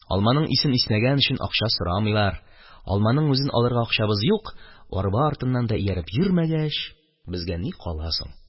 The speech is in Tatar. Алманың исен иснәгән өчен акча сорамыйлар, алманың үзен алырга акчабыз юк, арба артыннан да ияреп йөрмәгәч, безгә ни кала соң?